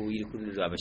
Ko jiri kulu de, a bɛ